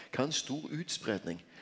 kva er ein stor utspreiing?